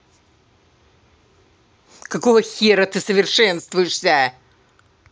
какого хера ты совершенствуешься